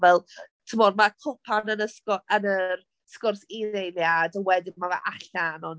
Fel timod, mae cwpan yn y sgw- yn yr sgwrs un eiliad a wedyn mae fe allan.